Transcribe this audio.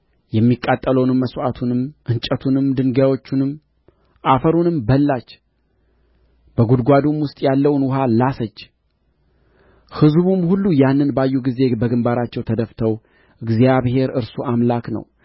የሚቃጠለውን መሥዋዕቱንም እንጨቱንም ድንጋዮቹንም አፈሩንም በላች በጕድጓዱም ውስጥ ያለውን ውኃ ላሰች ሕዝቡም ሁሉ ያንን ባዩ ጊዜ በግምባራቸው ተደፍተው